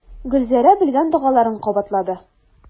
Гөлзәрә белгән догаларын кабатлады.